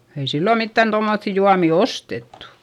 ei silloin mitään tuommoisia juomia ostettu